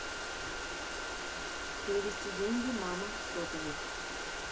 перевести деньги мама сотовый